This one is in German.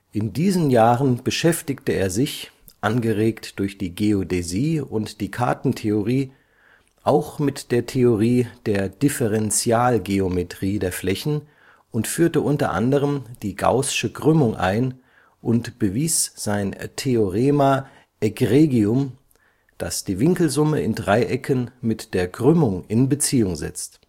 In diesen Jahren beschäftigte er sich – angeregt durch die Geodäsie und die Karten-Theorie – auch mit der Theorie der Differentialgeometrie der Flächen und führte unter anderem die gaußsche Krümmung ein und bewies sein Theorema egregium, das die Winkelsumme in Dreiecken mit der Krümmung in Beziehung setzt